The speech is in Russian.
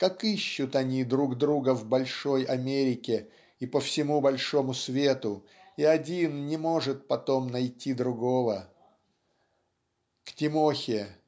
как ищут они друг друга в большой Америке и по всему большому свету и один не может потом найти другого. К Тимохе